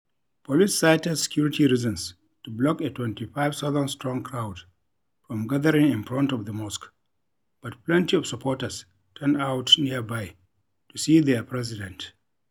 Police cited security reasons to block a 25,000-strong crowd from gathering in front of the mosque, but plenty of supporters turned out nearby to see their president.